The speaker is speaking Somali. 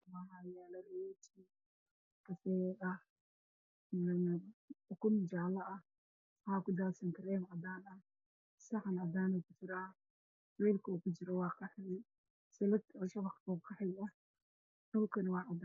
Waa ambegar uu ku jiro qudaar ku jira warqad kartoon bac ku jira oo saaran meel miis cadaan